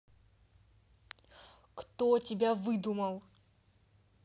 кто тебя выдумал